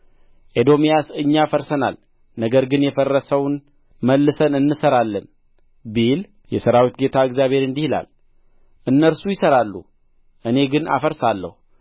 ኤዶምያስ እኛ ፈርሰናል ነገር ግን የፈረሰውን መልሰን እንሠራለን ቢል የሠራዊት ጌታ እግዚአብሔር እንዲህ ይላል እነርሱ ይሠራሉ እኔ ግን አፈርሳለሁ